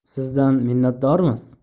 sizdan minnatdormiz